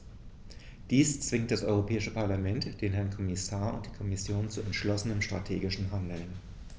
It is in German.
Dies zwingt das Europäische Parlament, den Herrn Kommissar und die Kommission zu entschlossenem strategischen Handeln.